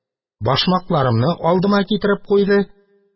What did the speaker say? Башмакларымны алдыма китереп куйды.